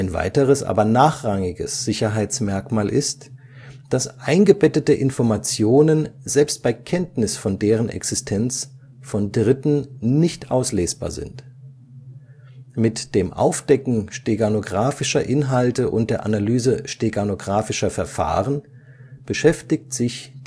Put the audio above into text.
weiteres, aber nachrangiges Sicherheitsmerkmal ist, dass eingebettete Informationen selbst bei Kenntnis von deren Existenz von Dritten nicht auslesbar sind. Mit dem Aufdecken steganographischer Inhalte und der Analyse steganographischer Verfahren beschäftigt sich